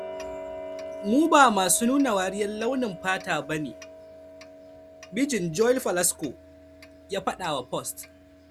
mu ba masu nuna wariyar launin fata bane, “mijin Joel Plasco ya fadawa Post.